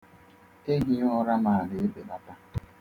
Ehighịụra m a na-ebelata.